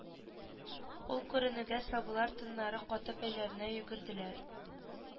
Ул күренүгә сабыйлар тыннары катып өйләренә йөгерделәр